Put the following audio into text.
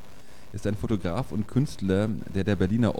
Fotograf und Künstler, der der Berliner Off-Kunst-Szene